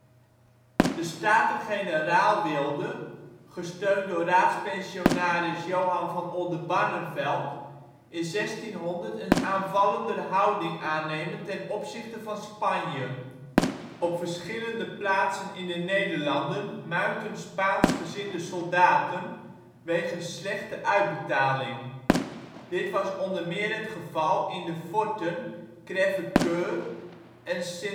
Staten-Generaal wilden, gesteund door raadpensionaris Johan van Oldenbarnevelt, in 1600 een aanvallender houding aannemen ten opzichte van Spanje. Op verschillende plaatsen in de Nederlanden muitten Spaansgezinde soldaten wegens slechte uitbetaling. Dit was onder meer het geval in de forten Crèvecoeur en St.